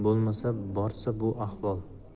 bo'lmasa borsa bu ahvol